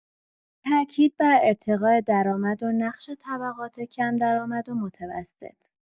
تاکید بر ارتقاء درآمد و نقش طبقات کم‌درآمد و متوسط